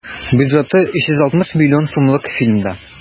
Бюджеты 360 миллион сумлык фильмда.